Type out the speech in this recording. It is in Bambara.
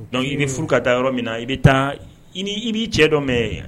Dɔnku i bɛ furu ka taa yɔrɔ min na i bɛ taa i b'i cɛ dɔ mɛn yan